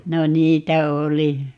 no niitä oli